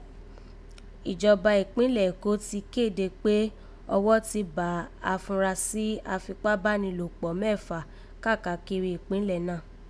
Ìjọba ìkpínlẹ̀ Èkó ti kéde kpé ọwọ́ ti bà afunrasí afikpabánẹlòkpọ̀ mẹ́ẹ̀fa káàkiri ìkpínlẹ̀ náà